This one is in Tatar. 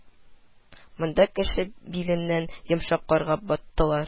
Монда кеше биленнән йомшак карга баттылар